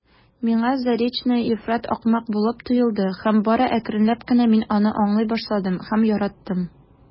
Миңа Заречная ифрат ахмак булып тоелды һәм бары әкренләп кенә мин аны аңлый башладым һәм яраттым.